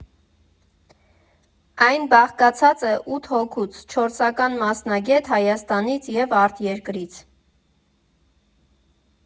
Այն բաղկացած է ութ հոգուց՝ չորսական մասնագետ Հայաստանից և արտերկրից։